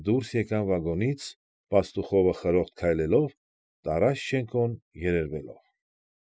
Դուրս եկան վագոնից, Պաստուխովը խրոխտ քայլերով, Տարաշչենկոն երերվելով։